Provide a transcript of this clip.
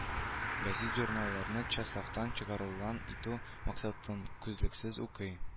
Гәзит-журналларны ча сафтан чыгарылуына инану максатынкүзлексез укый